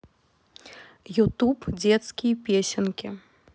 ютюб детские песенки